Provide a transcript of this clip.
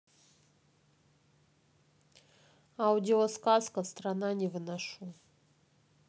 аудиосказка страна не выношу